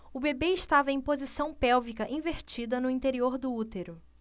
o bebê estava em posição pélvica invertida no interior do útero